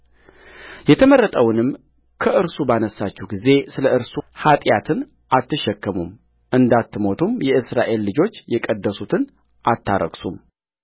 የተመረጠውንም ከእርሱ ባነሣችሁ ጊዜ ስለ እርሱ ኃጢአትን አትሸከሙም እንዳትሞቱም የእስራኤል ልጆች የቀደሱትን አታረክሱም